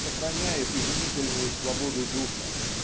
сохраняет изумительную свободу духа